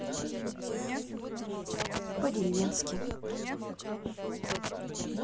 по деревенски